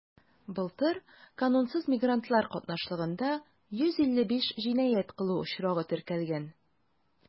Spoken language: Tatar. Былтыр канунсыз мигрантлар катнашлыгында 155 җинаять кылу очрагы теркәлгән.